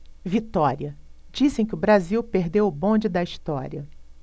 vitória dizem que o brasil perdeu o bonde da história